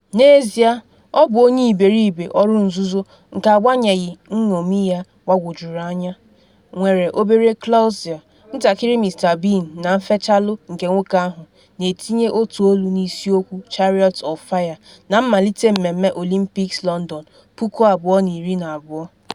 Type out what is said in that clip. N’ezie ọ bụ onye iberibe ọrụ nzuzo nke agbanyeghị ṅṅomi ya gbagwojuru anya, nwere obere Clouseau, ntakịrị Mr Bean na nfechalụ nke nwoke ahụ n’etinye otu olu na isiokwu Chariots of Fire na mmalite mmemme Olympics London 2012.